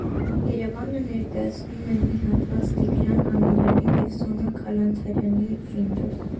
ԵՐԵՎԱՆը ներկայացնում է մի հատված Տիգրան Ամիրյանի և Սոնա Քալանթարյանի «Ֆիրդուս.